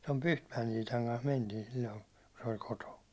tuon Pyhtmäen Iitan kanssa mentiin silloin kun se oli kotona